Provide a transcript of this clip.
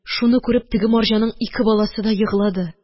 Шуны күреп, теге марҗаның ике баласы да еглады.